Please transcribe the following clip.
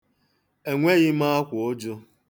Enweghị m akwaụjụ?